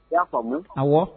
I y'a fɔ mun ɔwɔ